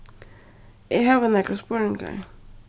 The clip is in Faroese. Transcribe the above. eg havi nakrar spurningar